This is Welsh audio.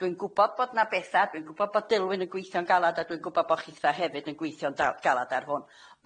Dwi'n gwbo bod na betha, dwi'n gwbo bod Dilwyn yn gwithio'n galad a dwi'n gwbo bo chitha'n gwithio'n galad ar hwn,